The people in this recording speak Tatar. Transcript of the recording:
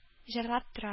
Җырлап тора